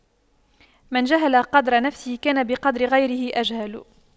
من جهل قدر نفسه كان بقدر غيره أجهل